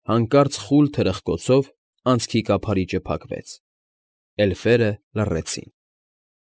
Հանկարծ խուլ թրխկոցով անցքի կափարիչը փակվեց, էլֆերը լռեցին։